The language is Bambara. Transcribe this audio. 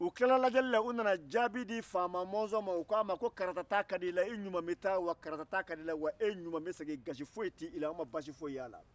o tilala lajɛli la u nana jaabi di faama mɔnzɔn ma u ko a ma ko karata taa ka di i la i ɲuman bɛ taa wa karata taa ka di i la wa e ɲuman bɛ segin gasi fyi tɛ i la an ma baasi foyi ye a la